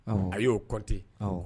A y'o kɔte